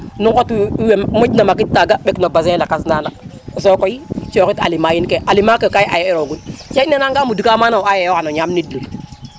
nu ŋot we wem moƴ na makit taaga mbek no basin lakas nana sokoy coxit aliment yin ke aliment ke ka ay ay rogun seƴ ne anga mud ka mana o aye yo xayo ñam niid